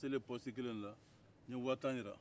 n selen pɔsiti kelenna n ye ba tan jira